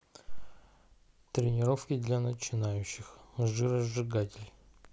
тренировки для начинающих жиросжигатель